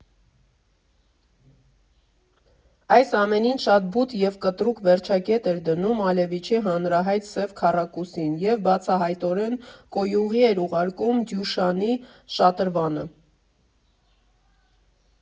Այս ամենին շատ բութ և կտրուկ վերջակետ էր դնում Մալևիչի հանրահայտ «Սև քառակուսին» և բացահայտորեն «կոյուղի» էր ուղարկում Դյուշանի «Շատրվանը»։